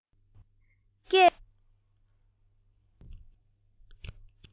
སྐད ཆུང ངུས ངུ བཞིན མིག ཆུའི